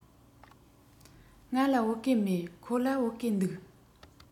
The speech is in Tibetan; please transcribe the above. ང ལ བོད གོས མེད ཁོ ལ བོད གོས འདུག